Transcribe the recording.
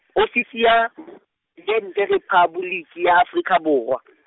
Ofisi ya -dente, Rephaboliki ya Afrika Borwa .